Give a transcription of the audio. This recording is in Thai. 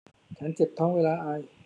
ฉันเจ็บท้องเวลาไอ